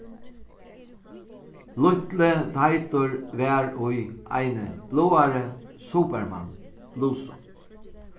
lítli teitur var í eini bláari superman blusu